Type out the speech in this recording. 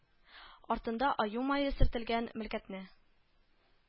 Артында аю мае сөртелгән мөлкәтне